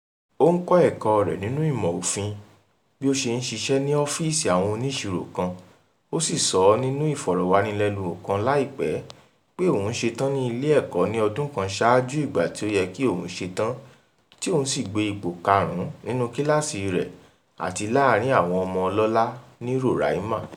Ó ń kọ́ ẹ̀kọ́ọ rẹ̀ nínú ìmọ̀ òfin bí ó ṣe ń ṣiṣẹ́ ní ọ́fíìsì àwọn oníṣirò kan, ó sì sọ ọ́ nínú ìfọ̀rọ̀wánilẹ́nuwò kan láìpẹ́, pé òun ṣetán ní ilé-ẹ̀kọ́ ní ọdún kan ṣáájú ìgbà tí ó yẹ kí òun ṣetán tí òun sì gbé ipò karùn-ún nínúu kíláàsìi rẹ̀ àti láàárín-in àwọn ọmọ ọlọ́lá ní Roraima.